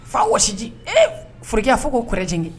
Fa wasiji foliya fo ko kɛrɛjigin